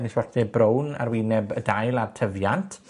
ne' smotie brown ar wyneb y dail a'r tyfiant.